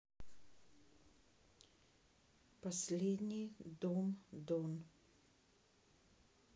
последний дом дон